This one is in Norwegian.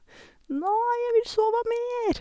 Nei, jeg vil sove mer.